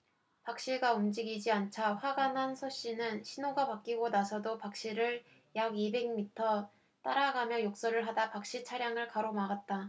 박씨가 움직이지 않자 화가 난 서씨는 신호가 바뀌고 나서도 박씨를 약 이백 미터 따라가며 욕설을 하다 박씨 차량을 가로막았다